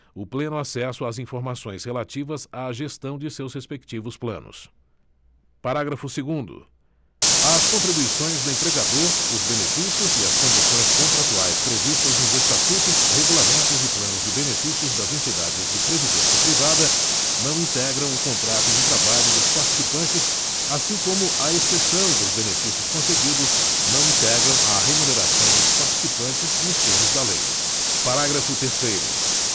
o pleno acesso às informações relativas à gestão de seus respectivos planos parágrafo segundo as contribuições do empregador os benefícios e as condições contratuais previstas nos estatutos regulamentos e planos de benefícios das entidades de previdência privada não integram o contrato de trabalho dos participantes assim como à exceção dos benefícios concedidos não integram a remuneração dos participantes nos termos da lei parágrafo terceiro